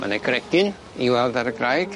Ma' 'ne gregyn i weld ar y graig.